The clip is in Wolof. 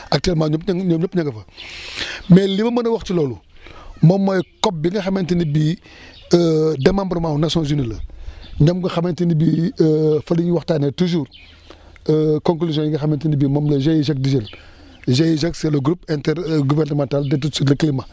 actuellement ñëpp ñoom ñëpp ña nga fa mais li ma mën a wax ci loolu moom mooy COP bi nga xamante ne bii démembrement wu Nations Unies la ñoom nga xamante ni bii fa la ñuy waxtaanee toujours conclusions yi nga xamante ni bii moom la GIGAC di jël GIGAC c' est le groupe intergouvernemental d' autopsie de climat